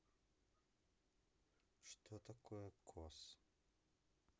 что такое cos